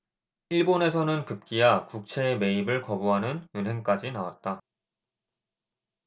일본에서는 급기야 국채의 매입을 거부하는 은행까지 나왔다